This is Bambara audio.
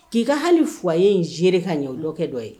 K'i ka hali f a ye n zeere ka ɲɛlɔkɛ dɔ ye